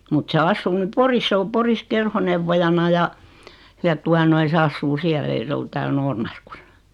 mutta se asuu nyt Porissa se on Porissa kerhoneuvojana ja ja tuota noin se asuu siellä ei se ole täällä Noormarkussa